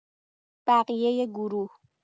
بقیه گروه